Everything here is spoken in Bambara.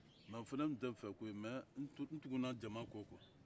mɛ o fana tun tɛ n fɛ ko ye mɛ n tugura jama kɔ quoi